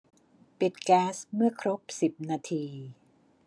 ปิดแก๊สเมื่อครบสิบนาที